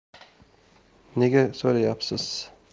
nega so'rayapsiz